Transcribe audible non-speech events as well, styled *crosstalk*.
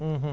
*hesitation* *hesitation*